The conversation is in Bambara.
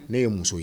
Ne ye muso ye